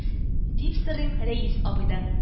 Дип сорыйм рәис абыйдан